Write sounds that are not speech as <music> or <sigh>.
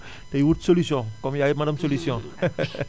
tey wut solution comme yaay madame solution <laughs>